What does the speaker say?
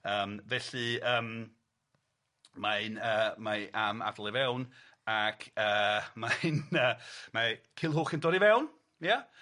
Yym felly yym mae'n yy mae am ad'el i fewn ac yy mae'n yy mae Culhwch yn dod i fewn ia?